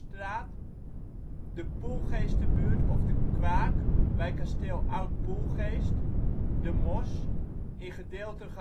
de Poelgeesterbuurt of de Kwaak (bij kasteel Oud-Poelgeest), de Mors (in gedeelten